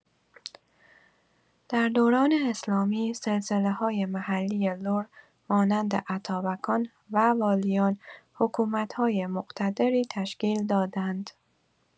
در دوران اسلامی، سلسله‌های محلی لر مانند اتابکان و والیان، حکومت‌های مقتدری تشکیل دادند.